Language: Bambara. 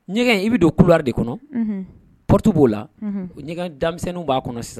Ɲɛgɛn i bɛ don kura de kɔnɔ poro b'o la o ɲɛ denmisɛnnin b'a kɔnɔ sisan